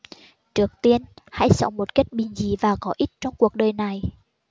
trước tiên hãy sống một cách bình dị và có ích trong cuộc đời này